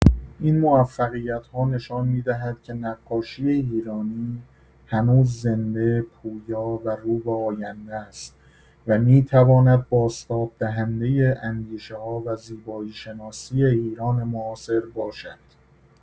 این موفقیت‌ها نشان می‌دهد که نقاشی ایرانی هنوز زنده، پویا و رو به آینده است و می‌تواند بازتاب دهنده اندیشه‌ها و زیبایی‌شناسی ایران معاصر باشد.